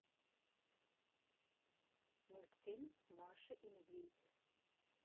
мультфильм маша и медведь